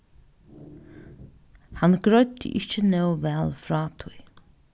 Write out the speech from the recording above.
hann greiddi ikki nóg væl frá tí